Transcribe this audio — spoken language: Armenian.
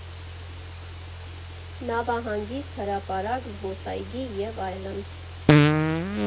Նավահանգիստ, հրապարակ, զբոսայգի և այլն։